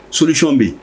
Solution bɛ yen.